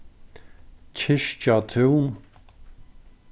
kirkjatún